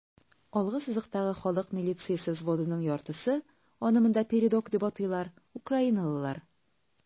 Алгы сызыктагы халык милициясе взводының яртысы (аны монда "передок" дип атыйлар) - украиналылар.